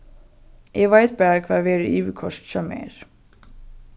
eg veit bara hvat verður yvirkoyrt hjá mær